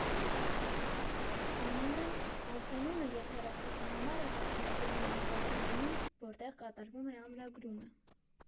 Անունը, ազգանունը և հեռախոսահամարը հասանելի են այն ռեստորանին, որտեղ կատարվում է ամրագրումը։